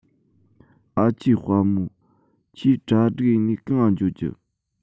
ཨ ཆེ དཔའ མོ ཁྱོས གྲ སྒྲིག ཡས ནས གང ང འགྱོ རྒྱུ